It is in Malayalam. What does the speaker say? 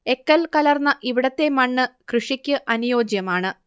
എക്കൽ കലർന്ന ഇവിടത്തെമണ്ണ് കൃഷിക്ക് അനുയോജ്യമാണ്